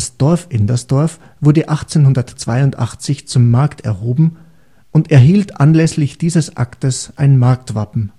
Dorf Indersdorf wurde 1882 zum Markt erhoben und erhielt anlässlich dieses Aktes ein Marktwappen